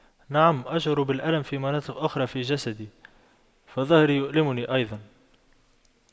نعم أشعر بالألم في مناطق أخرى في جسدي فظهري يؤلمني أيضا